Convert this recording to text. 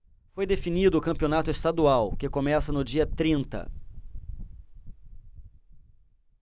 foi definido o campeonato estadual que começa no dia trinta